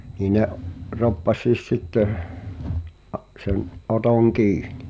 niin ne roppasi sitten - sen Oton kiinni